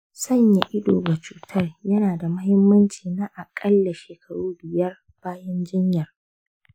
sanya ido ga cutar yana da muhimmanci na akalla shekaru biyar bayan jinyar.